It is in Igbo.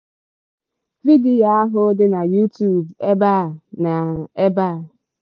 Vidiyo ahụ dị na YouTube ebe a na ebe a.